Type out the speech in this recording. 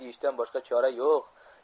deyishdan boshqa chora yo'q